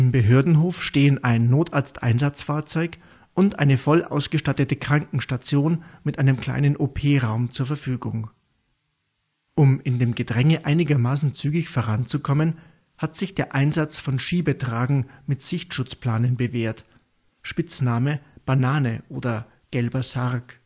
Behördenhof stehen ein Notarzteinsatzfahrzeug und eine vollausgestattete Krankenstation mit einem kleinen OP-Raum zur Verfügung. Um in dem Gedränge einigermaßen zügig voranzukommen, hat sich der Einsatz von Schiebetragen mit Sichtschutzplanen bewährt (Spitzname: Banane oder gelber Sarg